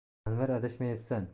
anvar adashyapsan